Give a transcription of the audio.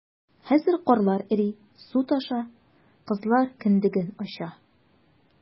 Хәзер карлар эри, су таша - кызлар кендеген ача...